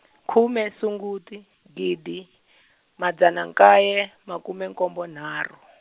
khume Sunguti, gidi, madzana nkaye, makume nkombo nharhu.